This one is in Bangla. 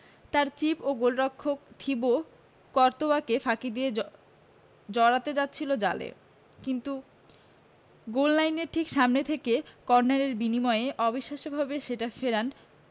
তাঁর চিপ গোলরক্ষক থিবো কর্তোয়াকে ফাঁকি দিয়ে জড়াতে যাচ্ছিল জালে কিন্তু গোললাইনের ঠিক সামনে থেকে কর্নারের বিনিময়ে অবিশ্বাস্যভাবে সেটা ফেরান